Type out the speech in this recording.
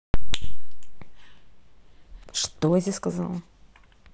что я тебе сказала